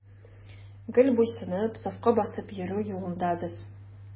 Гел буйсынып, сафка басып йөрү юлында без.